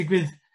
Digwydd